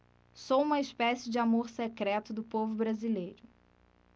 sou uma espécie de amor secreto do povo brasileiro